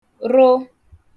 rụ